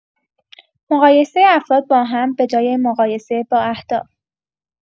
مقایسه افراد با هم به‌جای مقایسه با اهداف